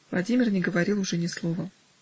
Владимир не говорил уже ни слова.